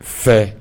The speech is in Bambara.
Fɛɛ